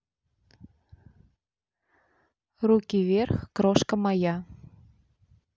руки вверх крошка моя